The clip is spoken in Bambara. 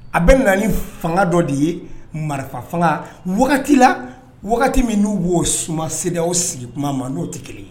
A bɛ na ni fanga dɔ de ye marifa fanga wagati la wagati min n'u b'o suman CDEAO sigi tuma ma n'o te 1 ye